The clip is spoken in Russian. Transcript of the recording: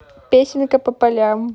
песенка по полям